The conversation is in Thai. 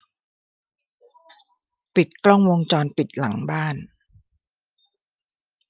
ปิดกล้องวงจรปิดหลังบ้าน